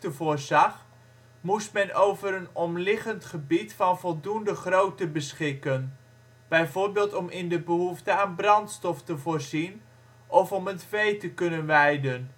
voorzag, moest men over een omliggend gebied van voldoende grootte beschikken, bijvoorbeeld om in de behoefte aan brandstof te voorzien of om het vee te kunnen weiden